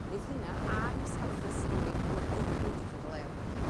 Neith hinna a'r miscanthus sy gynna fi ledaenu dipyn go lew.